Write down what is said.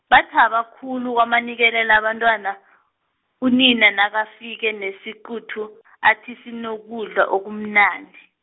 bathaba khulu kwamanikelela abantwana, unina nakafika nesiquthu-, athi sinokudla okumnandi.